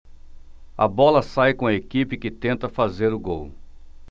a bola sai com a equipe que tenta fazer o gol